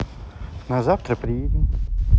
на завтра приедем